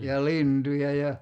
ja lintuja ja